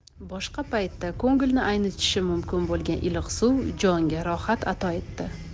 boshqa paytda ko'ngilni aynitishi mumkin bo'lgan iliq suv jonga rohat ato etdi